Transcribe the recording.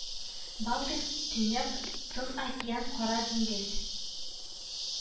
Балтыйк Төньяк Тын океан Кара диңгез